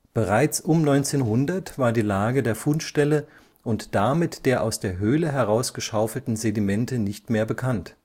Bereits um 1900 war die Lage der Fundstelle und damit der aus der Höhle heraus geschaufelten Sedimente nicht mehr bekannt